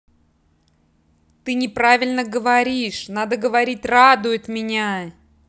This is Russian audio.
ты неправильно говоришь надо говорить радует меня